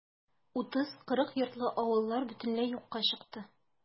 30-40 йортлы авыллар бөтенләй юкка чыкты.